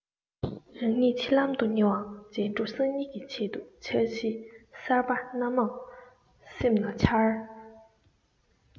རང ཉིད འཆི ལམ དུ ཉེ བའང བརྗེད འགྲོ སང ཉིན གྱི ཆེད དུ འཆར གཞི གསར བ སྣ མང སེམས ན འཆར